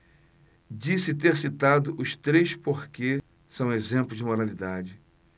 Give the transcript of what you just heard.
disse ter citado os três porque são exemplos de moralidade